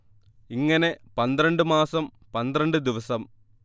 ഇങ്ങനെ പന്ത്രണ്ട് മാസം പന്ത്രണ്ട് ദിവസം